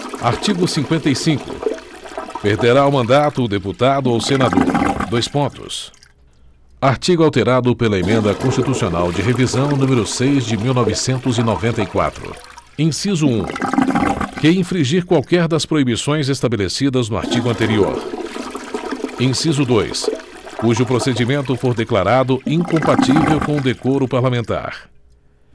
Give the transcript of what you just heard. artigo cinquenta e cinco perderá o mandato o deputado ou senador dois pontos artigo alterado pela emenda constitucional de revisão número seis de mil novecentos e noventa e quatro inciso um que infringir qualquer das proibições estabelecidas no artigo anterior inciso dois cujo procedimento for declarado incompatível com o decoro parlamentar